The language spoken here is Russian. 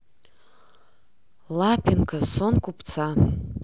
лапенко сон купца